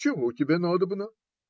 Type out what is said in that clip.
- Чего тебе надобно?